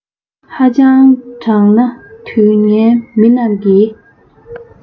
ཧ ཅང དྲང ན དུས ངན མི རྣམས ཀྱིས